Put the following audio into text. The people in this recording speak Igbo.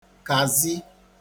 kazi